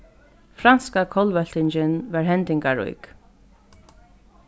franska kollveltingin var hendingarík